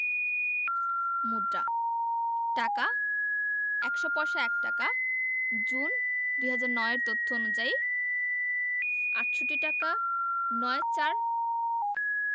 মুদ্রাঃ টাকা ১০০ পয়সায় ১ টাকা জুন ২০০৯ এর তথ্য অনুযায়ী ৬৮ টাকা ৯৪